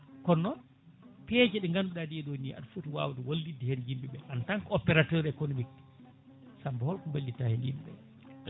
kono noon peeje ɗe ganduɗa ɗe ɗo ni aɗa footi wawde wallide hen yimɓeɓe en tant que opérateur et communique Samba holko ballita hen yimɓeɓe